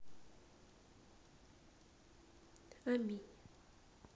аминь